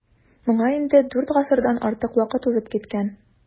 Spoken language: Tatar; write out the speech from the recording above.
Моңа инде дүрт гасырдан артык вакыт узып киткән.